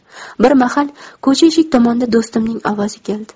bir mahal ko'cha eshik tomonda do'stimning ovozi keldi